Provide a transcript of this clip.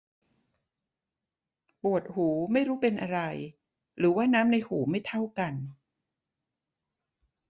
ปวดหูไม่รู้เป็นอะไรหรือว่าน้ำในหูไม่เท่ากัน